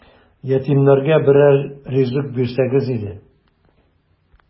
Ятимнәргә берәр ризык бирсәгез иде! ..